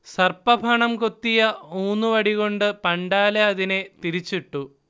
സർപ്പഫണം കൊത്തിയ ഊന്നുവടികൊണ്ട് പണ്ടാല അതിനെ തിരിച്ചിട്ടു